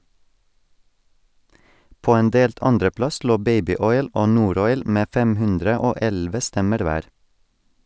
På en delt andreplass lå "Babyoil" og "Noroil" med 511 stemmer hver.